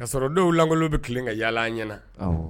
Kaa sɔrɔ denw lankolon bɛ kelen ka yaa ɲɛna